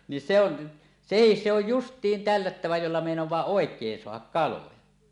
niin se on sekin se on justiin tällättävä jolla meinaa oikein saada kaloja